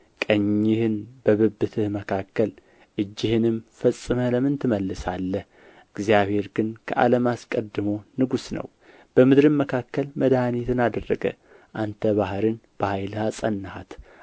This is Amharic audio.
ቀኝህንም በብብትህ መካከል እጅህንም ፈጽመህ ለምን ትመልሳለህ እግዚአብሔር ግን ከዓለም አስቀድሞ ንጉሥ ነው በምድርም መካከል መድኃኒትን አደረገ አንተ ባሕርን በኃይልህ አጸናሃት